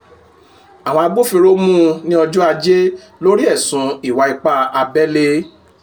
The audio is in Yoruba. Àwọn agbófinró mú u ni ọjọ́ Ajé lórí ẹ̀sùn ìwà ipá abélé